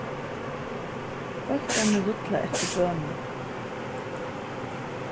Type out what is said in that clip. bóltarnir rulla eftir bønum